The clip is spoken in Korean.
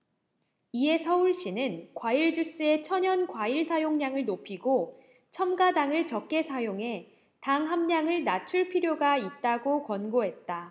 이에 서울시는 과일주스의 천연과일 사용량을 높이고 첨가당을 적게 사용해 당 함량을 낮출 필요가 있다고 권고했다